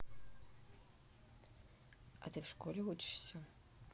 а ты в школе учишься